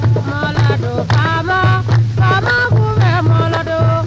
mɔlɔdo faama faama kun bɛ mɔlɔdo